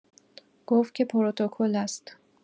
گفت که پروتکل است